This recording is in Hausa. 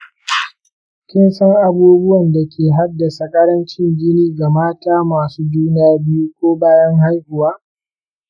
kin san abubuwan da ke haddasa ƙarancin jini ga mata masu juna biyu ko bayan haihuwa?